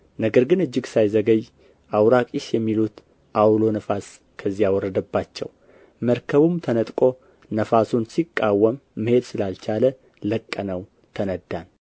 ነገር ግን እጅግ ሳይዘገይ አውራቂስ የሚሉት ዓውሎ ነፋስ ከዚያ ወረደባቸው መርከቡም ተነጥቆ ነፋሱን ሲቃወም መሄድ ስላልቻለ ለቀነው ተነዳን